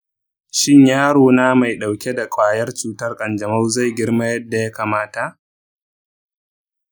shin yaro na mai dauke da kwayar cutar kanjamau zai girma yadda ya kamata?